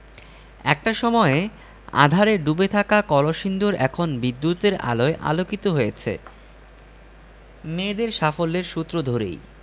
একটা সময়ে আঁধারে ডুবে থাকা কলসিন্দুর এখন বিদ্যুতের আলোয় আলোকিত হয়েছে মেয়েদের সাফল্যের সূত্র ধরেই